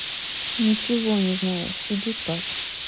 ничего не знаешь иди спать